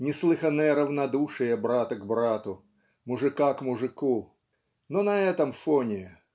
неслыханное равнодушие брата к брату мужика к мужику но на этом фоне